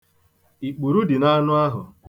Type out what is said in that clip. Ikpuru dị n'anụ ahụ.